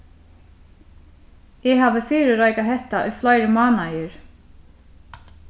eg havi fyrireikað hetta í fleiri mánaðir